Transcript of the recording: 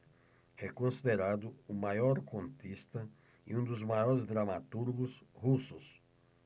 é considerado o maior contista e um dos maiores dramaturgos russos